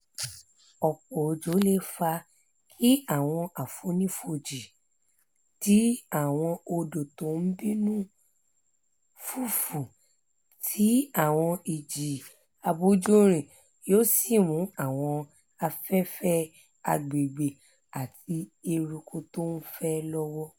Ọ̀pọ̀ òjò leè fa kí àwọn àfonífojì di àwọn odò tó ńbínú fùfù tí àwọn ìjì abójòrìn yóò sì mú àwọn afẹ́fẹ́ agbègbè àti eruku tó ńf ẹ́ lọ́wọ́.